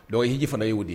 Donc hiji fana y'o de y